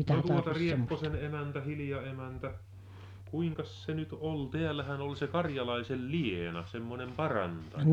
no tuota Riepposen emäntä Hilja-emäntä kuinkas se nyt oli täällähän oli se Karjalaisen Leena semmoinen parantaja